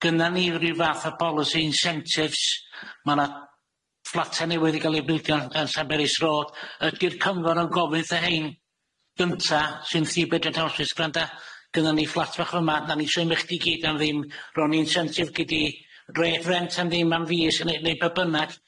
Gynna ni ryw fath o bolisi insentifs ma' 'na fflata newydd i ga'l i'w bildio yn yn Llanberis Road ydi'r cyngor yn gofyn wrtha hein gynta sy'n thrî bedrwm howsus granda gynna ni fflat bach fy'ma fydda ni symud chdi gyd am ddim ro'n insentif gei di re- rent am ddim am fis ne' ne' be' bynnag.